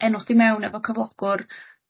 enw chdi mewn efo cyflogwr